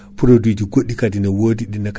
aɗa hewi yide hen sagoma